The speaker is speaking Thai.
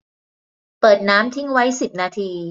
เปิดน้ำทิ้งไว้สิบนาที